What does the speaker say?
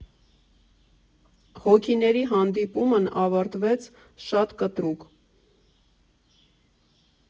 Հոգիների հանդիպումն ավարտվեց շատ կտրուկ։